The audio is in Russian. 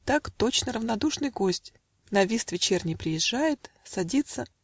Так точно равнодушный гость На вист вечерний приезжает, Садится